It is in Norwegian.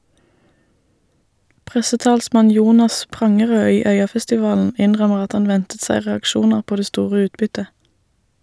Pressetalsmann Jonas Prangerød i Øyafestivalen innrømmer at han ventet seg reaksjoner på det store utbyttet.